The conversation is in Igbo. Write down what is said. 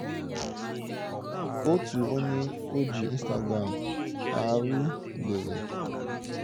Otu onye oji Instagram arụ dere: